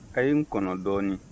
a ye n kɔnɔ dɔɔnin